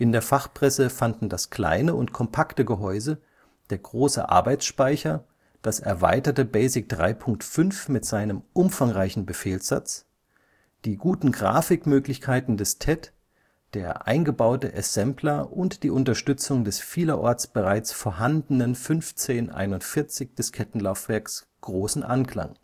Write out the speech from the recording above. der Fachpresse fanden das kleine und kompakte Gehäuse, der große Arbeitsspeicher, das erweiterte BASIC 3.5 mit seinem umfangreichen Befehlssatz, die guten Grafikmöglichkeiten des TED („ Farbwunder “), der eingebaute Assembler und die Unterstützung des vielerorts bereits vorhandenen 1541-Diskettenlaufwerks großen Anklang